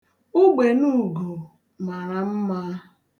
Ugbene ugo mara mma.